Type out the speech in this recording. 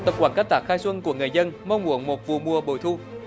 tập quán canh tác khai xuân của người dân mong muốn một vụ mùa bội thu